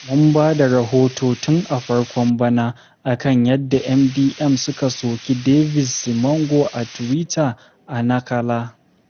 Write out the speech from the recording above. Mun ba da rahoto tun a farkon bana a kan yadda MDM suka soki Daviz Simango a tiwita a Nacala.